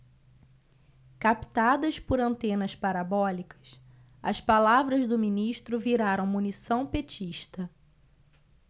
captadas por antenas parabólicas as palavras do ministro viraram munição petista